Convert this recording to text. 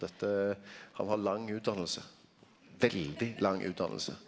dette han har lang utdanning, veldig lang utdanning.